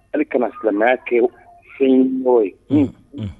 Hali kana silamɛya kɛ fɛn mɔgɔ ye